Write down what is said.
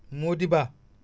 Mody Ba